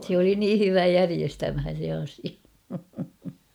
se oli niin hyvä järjestämään sen asian